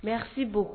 Baasi si bon